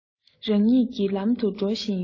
རང ཉིད ཀྱི ལམ དུ འགྲོ བཞིན ཡོད